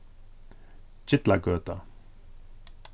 gillagøta